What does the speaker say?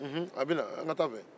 unhun a bɛ na an ka taa a fɛ